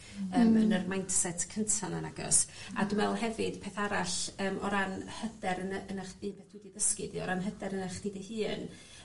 Hmm. ... yym yn yr mindset cynta 'na nagos? A dwi me'wl hefyd peth arall yym o ran hyder yn yr yn 'ych be' 'dach chi 'di dysgu ydi o ran hyder yn 'ych chi dy hun